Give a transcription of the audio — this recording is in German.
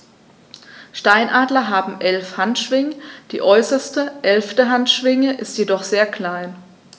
Steinadler haben 11 Handschwingen, die äußerste (11.) Handschwinge ist jedoch sehr klein.